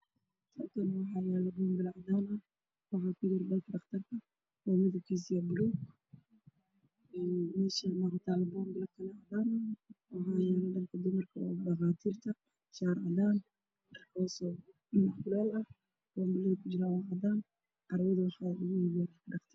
Maashaan waxaa iga muuqda dharka dhaqaatiirta mid waa caddaan midka kalana waa buluug